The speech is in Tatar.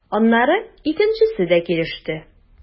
Аннары икенчесе дә килеште.